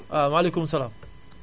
waaw maalekum salaam